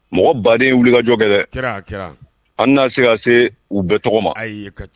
Mɔgɔ baden wliikajɔ kɛ dɛ,a kɛra, a kɛra, an tɛna se ka se u bɛɛ tɔgɔ ma; Ayi o ka